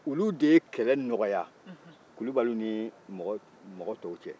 u de ye kɛlɛ nɔgɔya kulubaliw ni mɔgɔ tow cɛ